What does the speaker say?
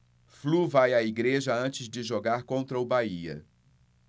flu vai à igreja antes de jogar contra o bahia